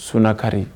Sokari